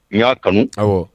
N y'a kanu aw